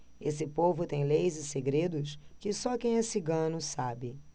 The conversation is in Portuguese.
esse povo tem leis e segredos que só quem é cigano sabe